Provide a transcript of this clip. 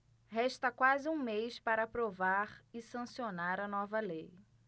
resta quase um mês para aprovar e sancionar a nova lei